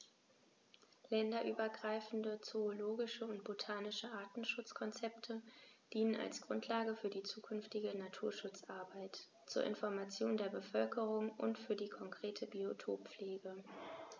Länderübergreifende zoologische und botanische Artenschutzkonzepte dienen als Grundlage für die zukünftige Naturschutzarbeit, zur Information der Bevölkerung und für die konkrete Biotoppflege.